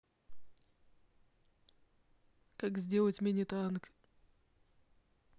как сделать мини танк